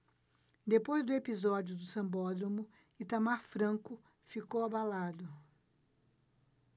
depois do episódio do sambódromo itamar franco ficou abalado